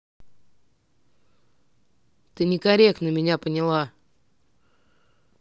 ты некорректно меня поняла